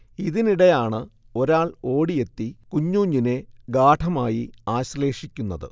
ഇതിനിടെയാണ് ഒരാൾ ഓടിയെത്തി കുഞ്ഞൂഞ്ഞിനെ ഗാഢമായി ആശ്ളേഷിക്കുന്നത്